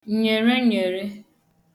ǹyèreǹyère